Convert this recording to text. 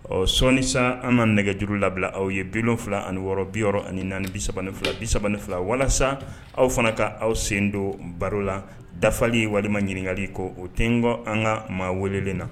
Ɔ sɔɔnni sa, an bɛna nɛgɛjuru labila aw ye, 76 64 32 32 walasa aw fana ka aw sen don baro la, dafali walima ɲininkali ko o tinkɔ an ka maa welelen na.